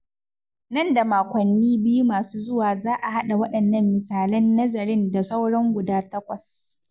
Nan da makwanni biyu masu zuwa za a haɗa waɗannan misalan nazarin da sauran guda takwas.